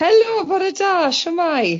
Helo bore da shwmae?